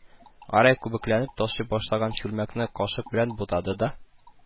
Гәрәй күбекләнеп ташый башлаган чүлмәкне кашык белән бутады да: